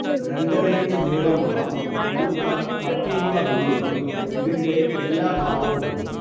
രണ്ടരയിഞ്ച് നീളമുള്ള കൂർത്ത കട്ടിയുള്ള മുള്ളുകൾ ഇതിന്റെ എല്ലാഭാഗത്തുമുണ്ട്